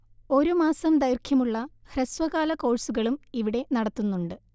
ഒരു മാസം ദൈർഘ്യമുള്ള ഹ്രസ്വകാല കോഴ്സുകളും ഇവിടെ നടത്തുന്നുണ്ട്